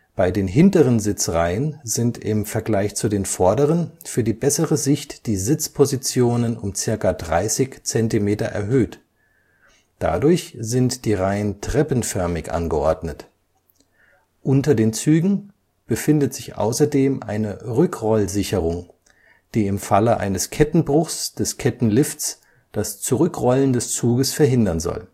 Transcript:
Bei den hinteren Sitzreihen sind im Vergleich zu den vorderen für die bessere Sicht die Sitzpositionen um ca. 30 Zentimeter erhöht; dadurch sind die Reihen treppenförmig angeordnet. Unter den Zügen befindet sich außerdem eine Rückrollsicherung, die im Falle eines Kettenbruchs des Kettenlifts das Zurückrollen des Zuges verhindern soll